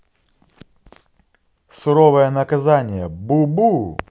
суровое наказание бубу